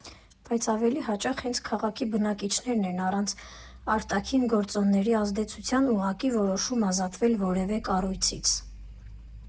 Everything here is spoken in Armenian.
Բայց ավելի հաճախ հենց քաղաքի բնակիչներն են առանց արտաքին գործոնների ազդեցության ուղղակի որոշում ազատվել որևէ կառույցից։